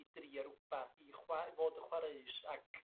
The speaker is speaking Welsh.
i drio r'wpath i chwa- fod y chwareus ac